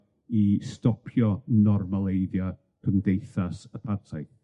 i stopio normaleiddio cymdeithas apartheid.